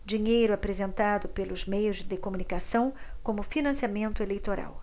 dinheiro apresentado pelos meios de comunicação como financiamento eleitoral